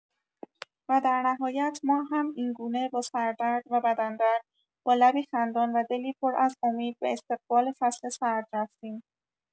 و در نهایت ما هم اینگونه با سردرد و بدن‌درد، با لبی خندان و دلی پر از امید به استقبال فصل سرد رفتیم.